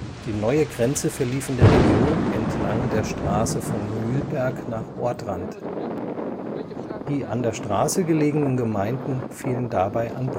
Die neue Grenze verlief in der Region entlang der Straße von Mühlberg nach Ortrand. Die an der Straße gelegenen Gemeinden fielen dabei an